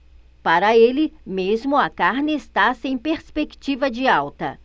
para ele mesmo a carne está sem perspectiva de alta